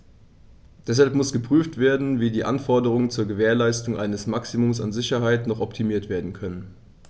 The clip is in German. Deshalb muss geprüft werden, wie die Anforderungen zur Gewährleistung eines Maximums an Sicherheit noch optimiert werden können.